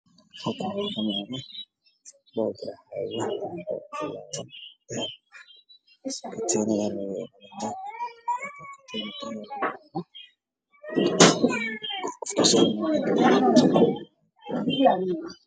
Boonbale midabkiisu yahay caddaan